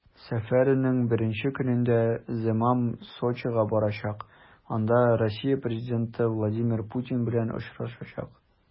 Сәфәренең беренче көнендә Земан Сочига барачак, анда Россия президенты Владимир Путин белән очрашачак.